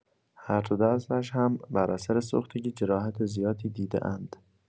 هر دو دستش هم بر اثر سوختگی جراحت زیادی دیده‌اند.